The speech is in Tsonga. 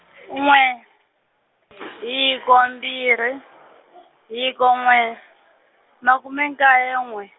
n'we, hiko mbirhi, hiko n'we, makume nkaye n'we.